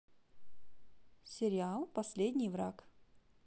сериал последний враг